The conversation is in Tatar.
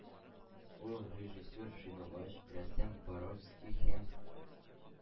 Ул – режиссер Женовач, рәссам Боровский һәм